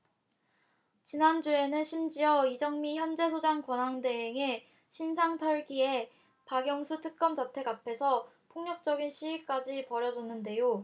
지난주에는 심지어 이정미 헌재소장 권한대행의 신상 털기에 박영수 특검 자택 앞에서 폭력적인 시위까지 벌어졌는데요